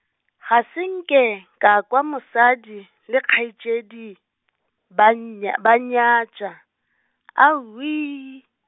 ga se nke, ka kwa mosadi le kgaetšedi, ba nnya-, ba nyatša, aowii.